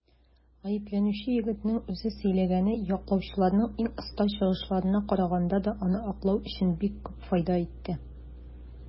Гаепләнүче егетнең үзе сөйләгәне яклаучыларның иң оста чыгышларына караганда да аны аклау өчен бик күп файда итте.